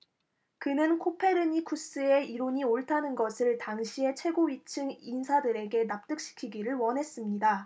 그는 코페르니쿠스의 이론이 옳다는 것을 당시의 최고위층 인사들에게 납득시키기를 원했습니다